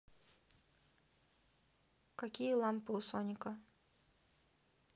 какие лампы у соника